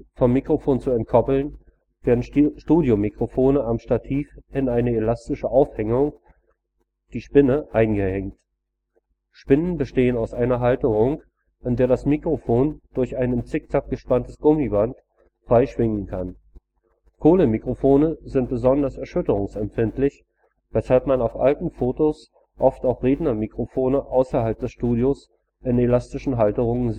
vom Mikrofon zu entkoppeln, werden Studio-Mikrofone am Stativ in eine elastische Aufhängung, die Spinne, eingehängt. Spinnen bestehen aus einer Halterung, in der das Mikrofon durch ein im Zickzack gespanntes Gummiband frei schwingen kann. Kohlemikrofone sind besonders erschütterungsempfindlich, weshalb man auf alten Fotos oft auch Redner-Mikrofone außerhalb des Studios in elastischen Halterungen